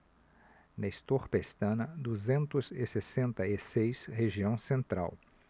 nestor pestana duzentos e sessenta e seis região central